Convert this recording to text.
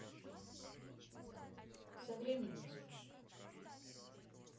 со временем изучишь